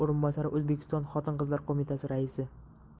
o'rinbosari o'zbekiston xotin qizlar qo'mitasi raisi